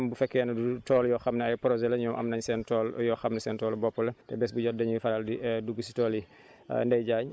ndax même bu fekkee ne du tool yoo xam ne ay projets la ñoom am nañ seen tool yoo xam ne seen toolu bopp la te bés bu jot dañuy faral di dugg si tool yi